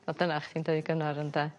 ...wel dyna o' chi'n deud gynnar ynde?